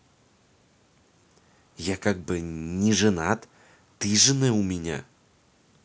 я как бы не женат ты жены у меня